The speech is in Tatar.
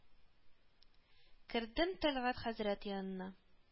Кердем Тәлгать хәзрәт янына